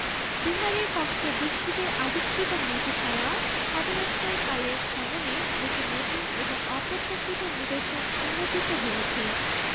বিহারের কক্ষে দীক্ষিতের আবিষ্কৃত মেঝে ছাড়াও স্বাধীনত্তর কালের খননে দুটি নতুন এবং অপ্রত্যাশিত নিদর্শন উন্মোচিত হয়েছে